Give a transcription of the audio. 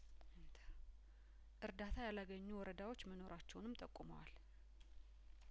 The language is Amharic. እርዳታ ያላገኙ ወረዳዎች መኖርቸውንም ጠቁመዋል